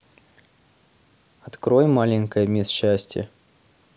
открой маленькая мисс счастье